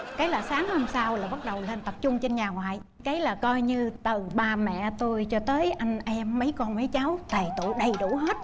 cái là sáng hôm sau là bắt đầu lên tập trung trên nhà ngoại cái là coi như từ ba mẹ tôi cho tới anh em mấy còn mấy cháu tề tựu đầy đủ hết